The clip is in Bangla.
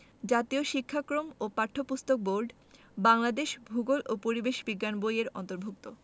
জাতীয় শিক্ষাক্রম ওপাঠ্যপুস্তক বোর্ড বাংলাদেশ ভূগোল ও পরিবেশ বিজ্ঞান বই এর অন্তর্ভুক্ত